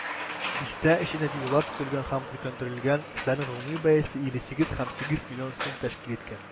Бистә эчендә юллар төзелгән һәм төзекләндерелгән, эшләрнең гомуми бәясе 58,8 миллион сум тәшкил иткән.